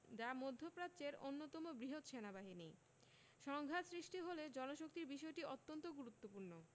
যা মধ্যপ্রাচ্যের অন্যতম বৃহৎ সেনাবাহিনী সংঘাত সৃষ্টি হলে জনশক্তির বিষয়টি অন্তত গুরুত্বপূর্ণ